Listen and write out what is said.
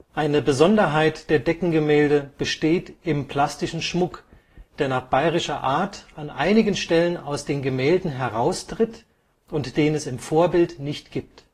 Eine Besonderheit der Deckengemälde besteht im plastischen Schmuck, der nach bayerischer Art an einigen Stellen aus den Gemälden heraustritt und den es im Vorbild nicht gibt